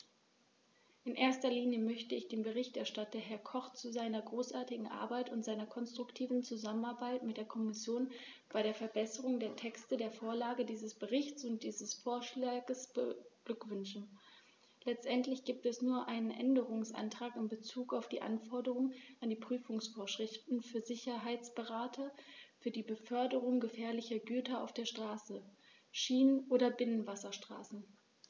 In erster Linie möchte ich den Berichterstatter, Herrn Koch, zu seiner großartigen Arbeit und seiner konstruktiven Zusammenarbeit mit der Kommission bei der Verbesserung der Texte, der Vorlage dieses Berichts und dieses Vorschlags beglückwünschen; letztendlich gibt es nur einen Änderungsantrag in bezug auf die Anforderungen an die Prüfungsvorschriften für Sicherheitsberater für die Beförderung gefährlicher Güter auf Straße, Schiene oder Binnenwasserstraßen.